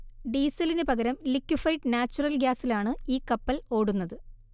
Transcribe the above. ഡീസലിന് പകരം liquefied natural ഗ്യാസിലാണ് ഈ കപ്പൽ ഓടുന്നത്